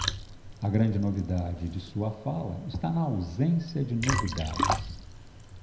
a grande novidade de sua fala está na ausência de novidades